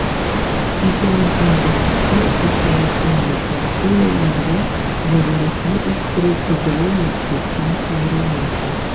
2011 - 2015 елларга мәгарифне үстерү федераль максатчан программасы.